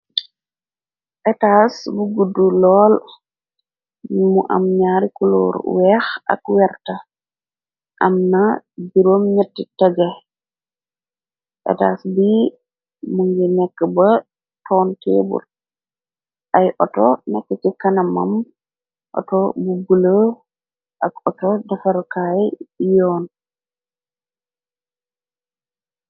Etas bu guddu lool, yi mu am ñaari kuloor weex, ak werta, am na juróom ñetti tege, etas bi më ngi nekk ba tonteebur, ay auto nekk ci kanamam, auto bu bule, ak auto defarukaay yoon.